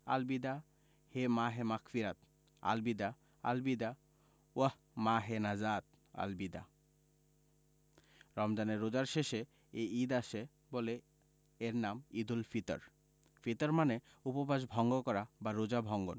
আল বিদা হে মাহে মাগফিরাত আল বিদা আল বিদা ওহঃ মাহে নাজাত আল বিদা রমজানের রোজার শেষে এই ঈদ আসে বলে এর নাম ঈদুল ফিতর ফিতর মানে উপবাস ভঙ্গ করা বা রোজা ভঙ্গন